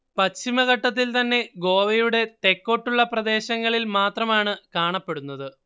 പശ്ചിമഘട്ടത്തിൽ തന്നെ ഗോവയുടെ തെക്കോട്ടുള്ള പ്രദേശങ്ങളിൽ മാത്രമാണ് കാണപ്പെടുന്നത്